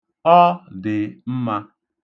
Ọ dị mma.